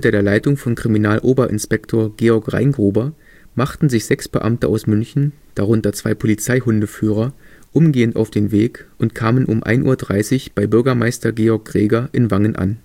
der Leitung von Kriminaloberinspektor Georg Reingruber machten sich sechs Beamte aus München, darunter zwei Polizeihundeführer, umgehend auf den Weg und kamen um 1.30 Uhr bei Bürgermeister Georg Greger in Wangen an